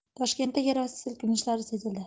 toshkentda yerosti silkinishlari sezildi